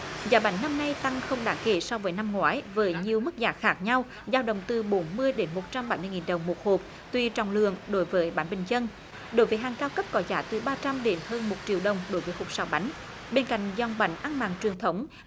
giá bánh năm nay tăng không đáng kể so với năm ngoái với nhiều mức giá khác nhau dao động từ bốn mươi đến một trăm bảy mươi nghìn đồng một hộp tùy trọng lượng đối với bánh bình dân đối với hàng cao cấp có trả tới ba trăm đến hơn một triệu đồng đối với hộp sáu bánh bên cạnh dòng bánh ăn mặn truyền thống